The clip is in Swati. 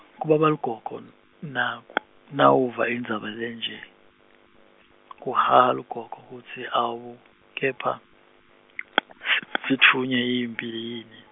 Kubaba lugogo, nawu- nawuva indzaba lenje, kuhaha lugogo kutsi, awu, kepha, sit- sitfunjwe yimphi yini.